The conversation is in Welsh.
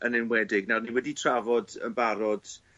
yn enwedig. Nawr ni wedi trafod yn barod